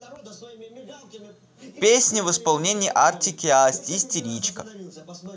песня в исполнении artik и asti истеричка